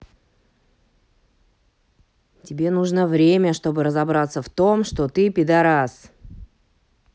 тебе нужно время чтобы разобраться в том что ты пидарас